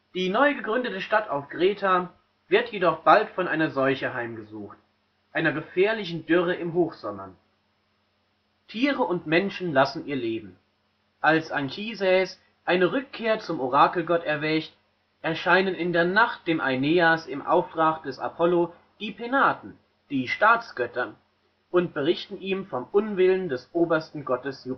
Die neu gegründete Stadt auf Kreta wird jedoch bald von einer Seuche heimgesucht, einer gefährlichen Dürre im Hochsommer; Tiere und Menschen lassen ihr Leben. Als Anchises eine Rückkehr zum Orakelgott erwägt, erscheinen in der Nacht dem Aeneas im Auftrag des Apollo die Penaten, die Staatsgötter, und berichten ihm vom Unwillen des obersten Gottes